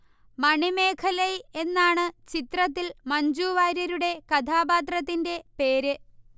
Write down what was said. മണിമേഖലൈ എന്നാണ് ചിത്രത്തിൽ മ്ഞജുവാര്യരുടെ കഥാപാത്രത്തിന്റെ പേര്